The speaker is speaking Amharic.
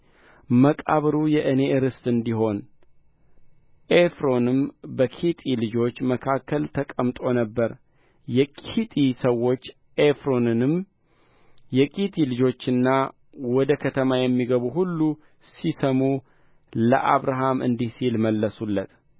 መቃብሩ የእኔ ርስት እንዲሆን ኤፍሮንም በኬጢ ልጆች መካከል ተቀምጦ ነበር የኬጢ ሰው ኤፍሮንም የኬጢ ልጆችና ወደ ከተማ የሚገቡ ሁሉ ሲሰሙ ለአብርሃም እንዲህ ሲል መለሰለት